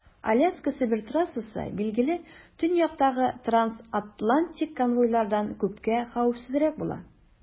Аляска - Себер трассасы, билгеле, төньяктагы трансатлантик конвойлардан күпкә хәвефсезрәк була.